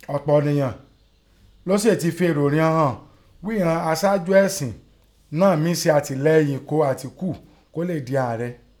Ọ̀pọ̀ ọ̀nìyàn lọ sèè ti fi èrò righọn hàn wí i, ighọn àṣáájú ẹ̀sìn náà mí se àtìleyìn ún Àtíkù kó lè dààrẹ.